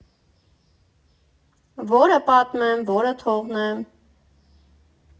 Ո՞րը պատմեմ, ո՞րը թողնեմ.